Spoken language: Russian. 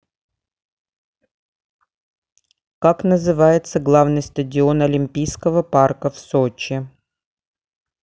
как называется главный стадион олимпийского парка в сочи